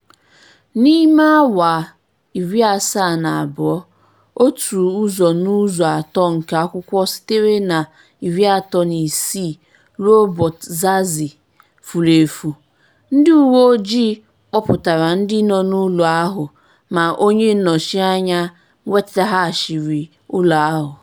N'ime awa 72, otu ụzọ n'ụzọ atọ nke akwụkwọ sitere na 36 rue Botzaris furu efu, ndị uweojii kpọpụtara ndị nọ n'ụlọ ahụ ma onye nnọchianya (Tunisia) nweteghachiri ụlọ ahụ.